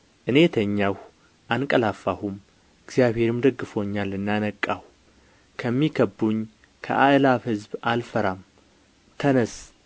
እኔ ተኛሁ አንቀላፋሁም እግዚአብሔርም ደግፎኛልና ነቃሁ ከሚከብቡኝ ከአእላፍ ሕዝብ አልፈራም ተነሥ